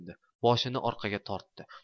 boshini orqaga tortdi